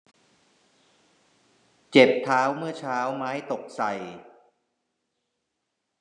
เจ็บเท้าเมื่อเช้าไม้ตกใส่